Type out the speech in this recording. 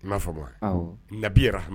I b'a fɔ nabiyara